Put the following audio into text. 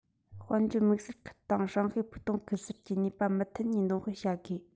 དཔལ འབྱོར དམིགས བསལ ཁུལ དང ཧྲང ཧའེ ཕུའུ ཏུང ཁུལ གསར གྱི ནུས པ མུ མཐུད ནས འདོན སྤེལ བྱ དགོས